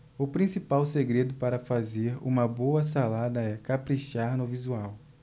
o principal segredo para fazer uma boa salada é caprichar no visual